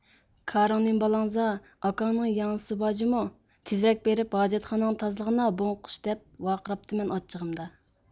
كارىڭ نېمە بالاڭزا ئاكاڭنىڭ ياڭزىسى بار جۇمۇ تېزرەك بېرىپ ھاجەتخانەڭنى تازىلىغىنا بوڭقۇش دەپ ۋارقىراپتىمەن ئاچچىقىمدا